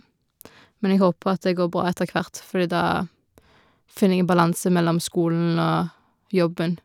Men jeg håper at det går bra etter hvert, fordi da finner jeg en balanse mellom skolen og jobben.